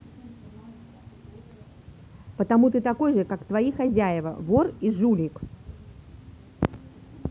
потому ты такой же как твои хозяева вор и жулик